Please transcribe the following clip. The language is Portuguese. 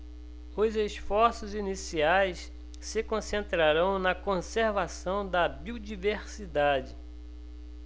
os esforços iniciais se concentrarão na conservação da biodiversidade